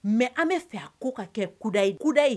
Mɛ an bɛ fɛ a ko ka kɛdayidaye